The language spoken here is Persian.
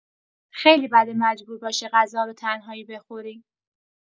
خیلی بده مجبور باشی غذا رو تنهایی بخوری.